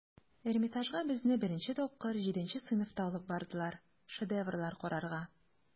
Эрмитажга безне беренче тапкыр җиденче сыйныфта алып бардылар, шедеврлар карарга.